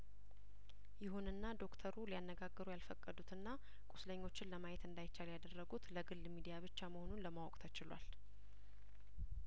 ይሁንና ዶክተሩ ሊያነጋግሩ ያልፈቀዱትና ቁስለኞችን ለማየት እንዳይቻል ያደረጉት ለግል ሚዲያብቻ መሆኑን ለማወቅ ተችሏል